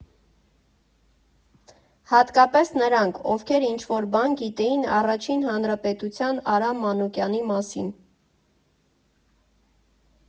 Հատկապես նրանք, ովքեր ինչ֊որ բան գիտեին Առաջին Հանրապետության Արամ Մանուկյանի մասին։